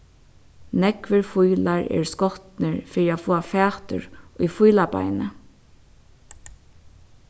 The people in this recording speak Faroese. nógvir fílar eru skotnir fyri at fáa fatur í fílabeini